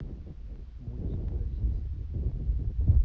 мультики российские